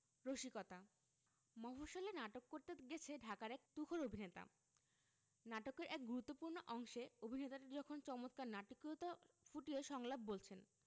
রসিকতা মফশ্বলে নাটক করতে গেছে ঢাকার এক তুখোর অভিনেতা নাটকের এক গুরুত্তপূ্র্ণ অংশে অভিনেতাটি যখন চমৎকার নাটকীয়তা ফুটিয়ে সংলাপ বলছেন